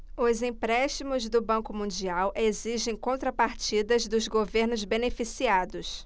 os empréstimos do banco mundial exigem contrapartidas dos governos beneficiados